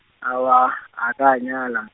aowa, a ka nyala.